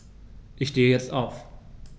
Ich stehe jetzt auf.